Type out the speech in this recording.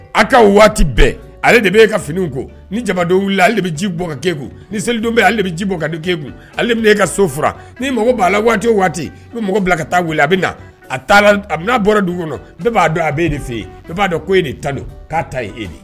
A ka waati bɛɛ ale de bɛ e ka fini ko ni jadɔ wili ale bɛ ji bɔ kaku ni selidon bɛ ale bɛ ji bɔ ka keeku ale e ka so ni mako b'a la waati o waati i bɛ mɔgɔ bila ka taa wili a bɛ a aa bɔra dugu kɔnɔ b'a dɔn a bɛ e nin fɛ yen i b'a dɔn e nin ta don'a ta ye e